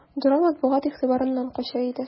Дора матбугат игътибарыннан кача иде.